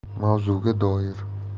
mavzuga doir